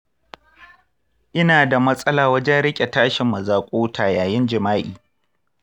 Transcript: ina da matsala wajen riƙe tashin mazakuta yayin jima’i.